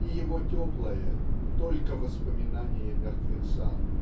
и его теплое -- только воспоминание мертвеца.